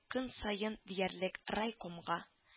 Көн саен диярлек райкомга